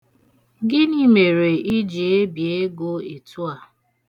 Gịnị mere ị ji ebi ego etu a?